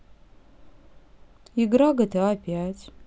игры гта пять